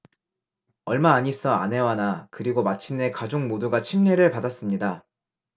얼마 안 있어 아내와 나 그리고 마침내 가족 모두가 침례를 받았습니다